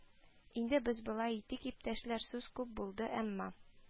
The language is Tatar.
– инде без болай итик, иптәшләр: сүз күп булды, әмма